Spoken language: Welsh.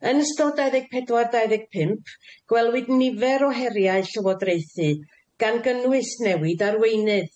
Yn ystod dau ddeg pedwar dau ddeg pump gwelwyd nifer o heriau llywodraethu gan gynnwys newid arweinydd.